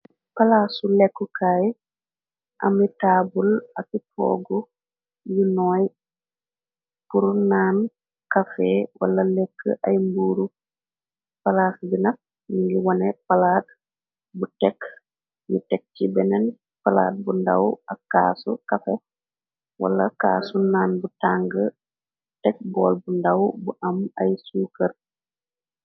palaasu lekkukaay amitaabul akitoogu yu nooy puru naan kafe wala lekk ay mbuuru palaas gina ningi wone palaat bu tekk yu tekk ci beneen palaad bu ndàw ak kaasu kafe wala kaasu naan bu tàng tekk bool bu ndàw bu am ay suu kër.